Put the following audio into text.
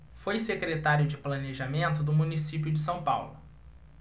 foi secretário de planejamento do município de são paulo